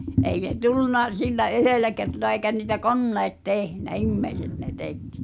ei se tullut sillä yhdellä kertaa eikä niitä koneet tehnyt ihmiset ne teki